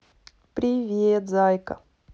привет зайка